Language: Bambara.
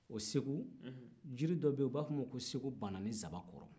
bon segu jiri dɔ bɛ yen u b'a f'o ma ko segubananinsabankɔrɔ